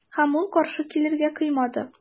Һәм ул каршы килергә кыймады.